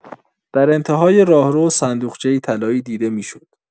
در انت‌های راهرو، صندوقچه‌ای طلایی دیده می‌شد.